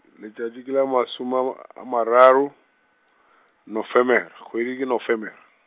letšatši ke la masome a ma, a mararo, Nofemere, kgwedi ke Nofemere.